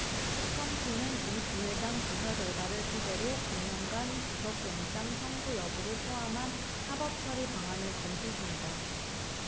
특검팀은 이 부회장 조사 결과를 토대로 금명간 구속영장 청구 여부를 포함한 사법처리 방안을 검토 중이다